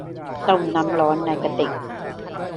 ต้มน้ำร้อนในกระติก